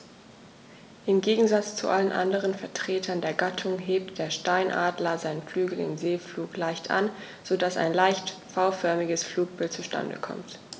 Im Gegensatz zu allen anderen Vertretern der Gattung hebt der Steinadler seine Flügel im Segelflug leicht an, so dass ein leicht V-förmiges Flugbild zustande kommt.